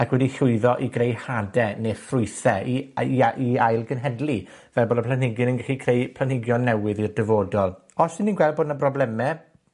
ac wedi llwyddo i greu hade neu ffrwythe i a- i a- i ail-genhedlu fel bod y planhigyn yn gallu creu planhigion newydd i'r dyfodol. Os 'yn ni'n gweld bo' 'na brobleme